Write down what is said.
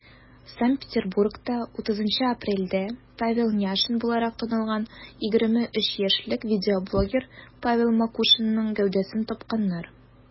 Санкт-Петербургта 30 апрельдә Павел Няшин буларак танылган 23 яшьлек видеоблогер Павел Макушинның гәүдәсен тапканнар.